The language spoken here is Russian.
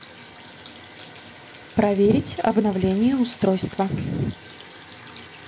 проверить обновление устройства